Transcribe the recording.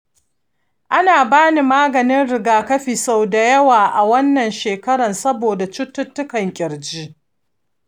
an bani maganin rigakafi sau da yawa a wannan shekarar saboda cututtukan ƙirji.